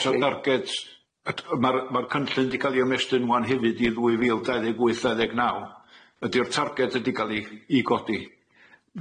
O's 'a target yy ma'r ma'r cynllun di ca'l 'i ymestyn ŵan hefyd i ddwy fil dau ddeg wyth dau ddeg naw ydi'r target ydi ga'l i i godi?